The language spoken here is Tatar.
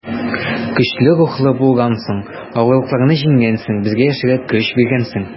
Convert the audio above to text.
Көчле рухлы булгансың, авырлыкларны җиңгәнсең, безгә яшәргә көч биргәнсең.